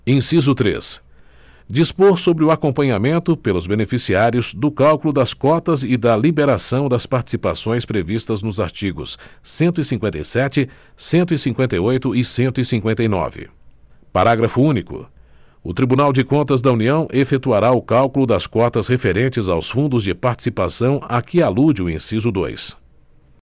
inciso três dispor sobre o acompanhamento pelos beneficiários do cálculo das quotas e da liberação das participações previstas nos artigos cento e cinquenta e sete cento e cinquenta e oito e cento e cinquenta e nove parágrafo único o tribunal de contas da união efetuará o cálculo das quotas referentes aos fundos de participação a que alude o inciso dois